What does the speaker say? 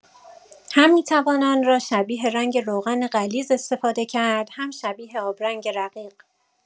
هم می‌توان آن را شبیه رنگ روغن غلیظ استفاده کرد، هم شبیه آبرنگ رقیق.